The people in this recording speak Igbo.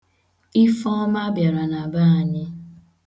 Ifeọma bịara na be anyị.